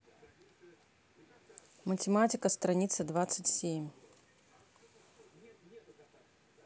математика страница двадцать семь